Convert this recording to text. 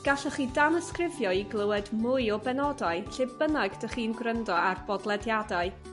Gallwch hi danysgrifio i glywed mwy o benodau lle bynnag dych chi'n gwrando âr bodlediadau.